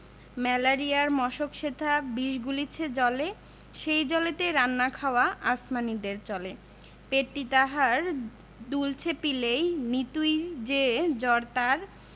ম্যালেরিয়ার মশক সেথা বিষ গুলিছে জলে সেই জলেতে রান্না খাওয়া আসমানীদের চলে পেটটি তাহার দুলছে পিলেয় নিতুই যে জ্বর তার